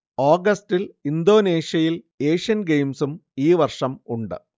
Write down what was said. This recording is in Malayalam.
ഓഗസ്റ്റിൽ ഇന്തോനേഷ്യയിൽ ഏഷ്യൻ ഗെയിംസും ഈ വർഷം ഉണ്ട്